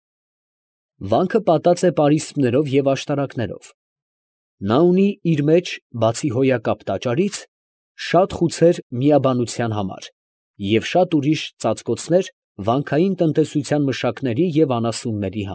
Վանքը պատած է պարիսպներով և աշտարակներով. նա ունի իր մեջ, բացի հոյակապ տաճարից, շատ խուցեր միաբանության համար և շատ ուրիշ ծածկոցներ վանքային տնտեսության մշակների և անասունների։